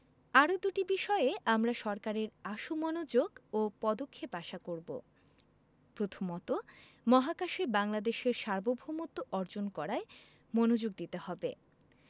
আরও দুটি বিষয়ে আমরা সরকারের আশু মনোযোগ ও পদক্ষেপ আশা করব প্রথমত মহাকাশে বাংলাদেশের সার্বভৌমত্ব অর্জন করায় মনোযোগ দিতে হবে